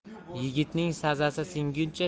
yigitning sazasi singuncha